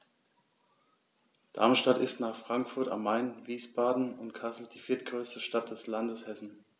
Darmstadt ist nach Frankfurt am Main, Wiesbaden und Kassel die viertgrößte Stadt des Landes Hessen